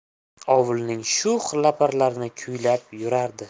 ovulning sho'x laparlarini kuylab yuborardi